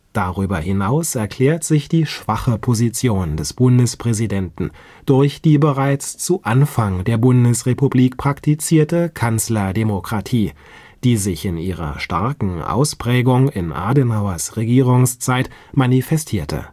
Darüber hinaus erklärt sich die schwache Position des Bundespräsidenten durch die bereits zu Anfang der Bundesrepublik praktizierte „ Kanzlerdemokratie “, die sich in ihrer starken Ausprägung in Adenauers Regierungszeit manifestierte